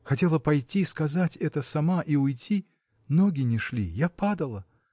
Хотела пойти, сказать это сама и уйти — ноги не шли: я падала.